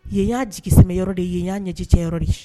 Yen y'a jigi sɛmɛyɔrɔ de yen y'a ɲɛci cɛ yɔrɔ de